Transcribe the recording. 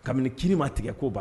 Kabini kiiri ma tigɛ ko ba